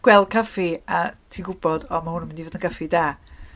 Gweld caffi, a ti'n gwbod, o, ma' hwn yn mynd i fod yn gaffi da.